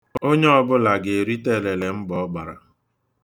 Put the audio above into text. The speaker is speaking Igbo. Onye ọbụla ga-erite elele mbọ ọ gbara